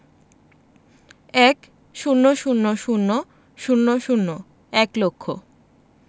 ১০০০০০ এক লক্ষ